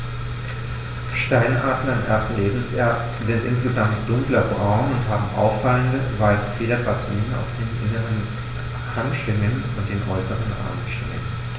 Steinadler im ersten Lebensjahr sind insgesamt dunkler braun und haben auffallende, weiße Federpartien auf den inneren Handschwingen und den äußeren Armschwingen.